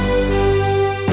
xin